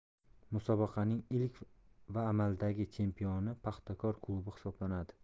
musobaqaning ilk va amaldagi chempioni paxtakor klubi hisoblanadi